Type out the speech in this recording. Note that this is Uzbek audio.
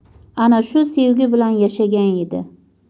ana shu sevgi bilan yashagan edi